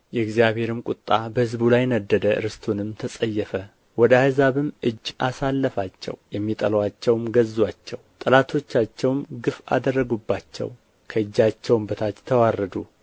የእግዚአብሔርም ቍጣ በሕዝቡ ላይ ነደደ ርስቱንም ተጸየፈ ወደ አሕዛብም እጅ አሳለፋቸው የሚጠሉአቸውም ገዙአቸው ጠላቶቻቸውም ግፍ አደረጉባቸው ከእጃቸውም በታች ተዋረዱ